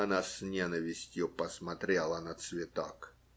Она с ненавистью посмотрела на цветок.